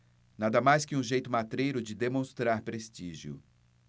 nada mais que um jeito matreiro de demonstrar prestígio